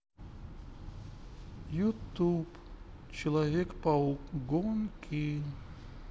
ютуб человек паук гонки